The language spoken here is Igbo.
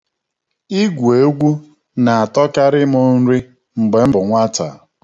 Igwu egwu na-atọkarị m nri mgbe m bụ nwata.